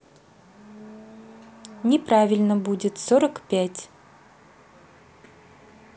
неправильно будет сорок пять